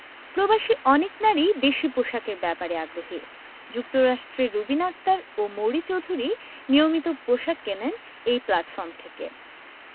প্রবাসী অনেক নারীই দেশি পোশাকের ব্যাপারে আগ্রহী যুক্তরাষ্ট্রের রুবিনা আক্তার ও মৌরি চৌধুরী নিয়মিত পোশাক কেনেন এই প্ল্যাটফর্ম থেকে